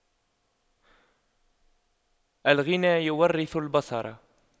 الغنى يورث البطر